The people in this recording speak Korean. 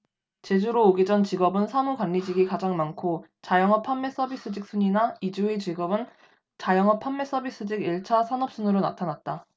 제주로 오기 전 직업은 사무 관리직이 가장 많고 자영업 판매 서비스직 순이나 이주 후 직업은 자영업 판매 서비스직 일 차 산업 순으로 나타났다